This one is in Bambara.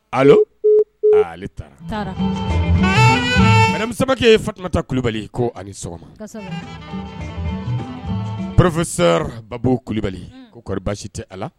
Allo ale taara madame Samake Fatumata Kulubali, ko a ni sɔgɔma, kosɛbɛ, professeur Babu Kulubali, un, ko kɔri baasi tɛ a la